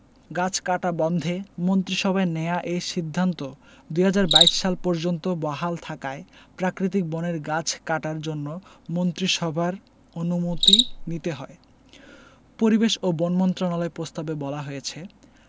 গাছ কাটা বন্ধে মন্ত্রিসভায় নেয়া এই সিদ্ধান্ত ২০২২ সাল পর্যন্ত বহাল থাকায় প্রাকৃতিক বনের গাছ কাটার জন্য মন্ত্রিসভার অনুমতি নিতে হয় পরিবেশ ও বন মন্ত্রণালয়ের প্রস্তাবে বলা হয়েছে